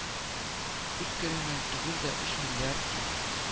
Үз кереме тугыз, миллиард сум